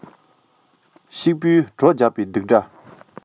སྐྱིད པོའི བྲོ རྒྱག པའི རྡིག སྒྲ